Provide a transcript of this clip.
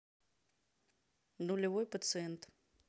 нулевой пациент